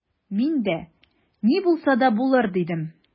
Мин дә: «Ни булса да булыр»,— дидем.